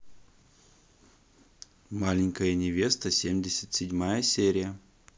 маленькая невеста семьдесят седьмая серия